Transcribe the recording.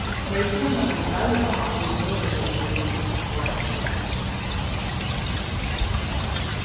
tey kenna seg darvað í møguleikunum at raðfesta